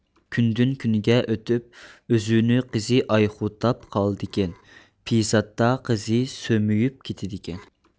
كۈندۈن كۈنگە ئۆتۈپ ئۆزۈنۈ قىزى ئايۇختاپ قالىدىكەن پېيىزاتتا قىزى سۆمۈيۈپ كېتەدىكەن